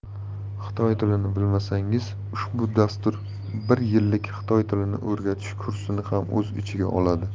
xitoy tilini bilmasangiz ushbu dastur bir yillik xitoy tilini o'rgatish kursini ham o'z ichiga oladi